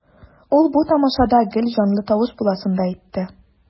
Ул бу тамашада гел җанлы тавыш буласын да әйтте.